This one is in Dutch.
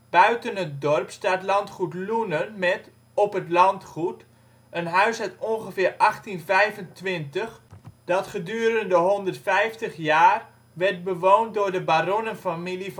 Buiten het dorp staat landgoed Loenen met, op het landgoed, een huis uit ongeveer 1825 dat gedurende 150 jaar lang werd bewoond door de baronnenfamilie